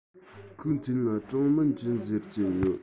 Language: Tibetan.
ཁོའི མཚན ལ ཀྲང མིང ཅུན ཟེར གྱི ཡོད